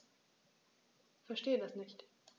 Verstehe das nicht.